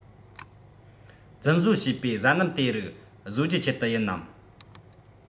རྫུན བཟོ བྱས པའི བཟའ སྣུམ དེ རིགས བཟོ རྒྱུའི ཆེད དུ ཡིན ནམ